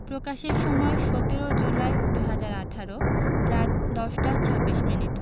প্রকাশের সময় ১৭ জুলাই ২০১৮ রাত ১০টা ২৬ মিনিট